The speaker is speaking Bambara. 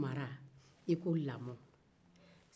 n'i ko mara i ko lamɔ